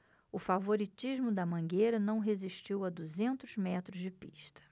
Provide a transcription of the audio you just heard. o favoritismo da mangueira não resistiu a duzentos metros de pista